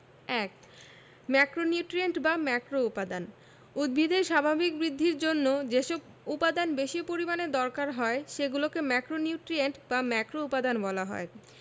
১ macronutrient বা ম্যাক্রোউপাদান উদ্ভিদের স্বাভাবিক বৃদ্ধির জন্য যেসব উপাদান বেশি পরিমাণে দরকার হয় সেগুলোকে ম্যাক্রোনিউট্রিয়েন্ট বা ম্যাক্রোউপাদান বলা হয়